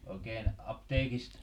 oikein apteekista